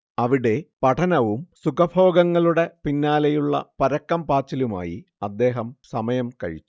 അവിടെ പഠനവും സുഖഭോഗങ്ങളുടെ പിന്നാലെയുള്ള പരക്കം പാച്ചിലുമായി അദ്ദേഹം സമയം കഴിച്ചു